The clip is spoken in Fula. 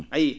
ayi